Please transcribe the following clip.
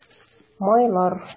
Майлар